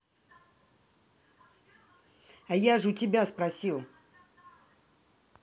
а я же у тебя спросил